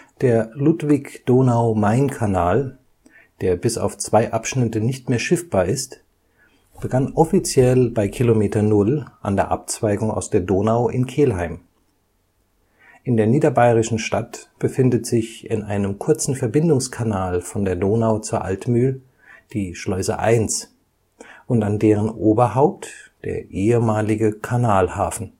Der Ludwig-Donau-Main-Kanal, der bis auf zwei Abschnitte nicht mehr schiffbar ist, begann offiziell bei Kilometer 0 an der Abzweigung aus der Donau in Kelheim. In der niederbayerischen Stadt befindet sich in einem kurzen Verbindungskanal von der Donau zur Altmühl die Schleuse 1 und an deren Oberhaupt der ehemalige Kanalhafen